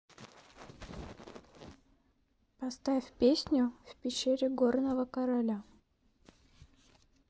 поставь песню в пещере горного короля